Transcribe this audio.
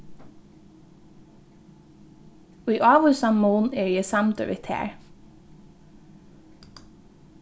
í ávísan mun eri eg samdur við tær